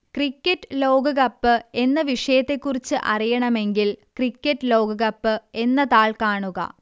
cricket ലോകകപ്പ് എന്ന വിഷയത്തെക്കുറിച്ച് അറിയണമെങ്കിൽ ക്രിക്കറ്റ് ലോകകപ്പ് എന്ന താൾ കാണുക